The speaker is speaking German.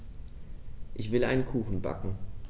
Ich will einen Kuchen backen.